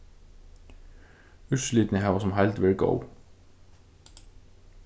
úrslitini hava sum heild verið góð